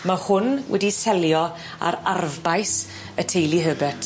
Ma' hwn wedi selio ar arfbais y teulu Herbert.